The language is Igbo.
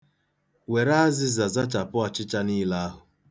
Were azịza zachapụ ọchịcha niile ahụ.